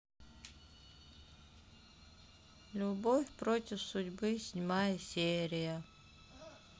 любовь против судьбы седьмая серия